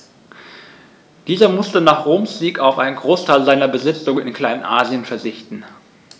Dieser musste nach Roms Sieg auf einen Großteil seiner Besitzungen in Kleinasien verzichten.